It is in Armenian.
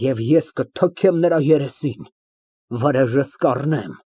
Եվ ես կթքեմ նրա երեսին, վրեժս կառնեմ։